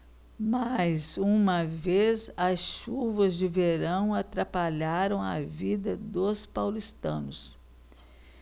mais uma vez as chuvas de verão atrapalharam a vida dos paulistanos